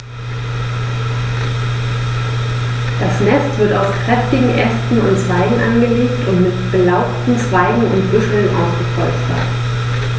Das Nest wird aus kräftigen Ästen und Zweigen angelegt und mit belaubten Zweigen und Büscheln ausgepolstert.